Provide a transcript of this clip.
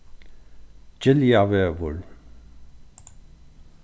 giljavegur